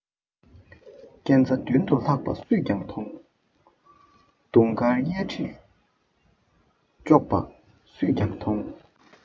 རྐྱེན རྩ མདུན དུ ལྷག པ སུས ཀྱང མཐོང དུང དཀར གཡས འཁྱིལ གཅོག པ སུས ཀྱང མཐོང